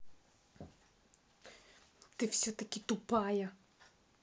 ты все таки тупая